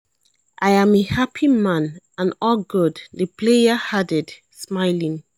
I am a happy man and all good," the player added, smiling.